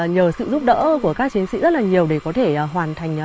nhờ sự giúp đỡ của các chiến sĩ rất là nhiều để có thể hoàn thành